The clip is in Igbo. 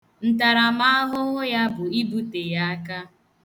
Ntaramahụhụ ya bụ ibute ya aka.